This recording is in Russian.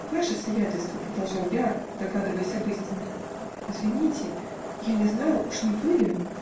ваше сиятельство, -- продолжал я, догадываясь об истине, -- извините. я не знал. уж не вы ли?.